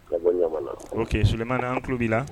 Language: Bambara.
Suman tulo b la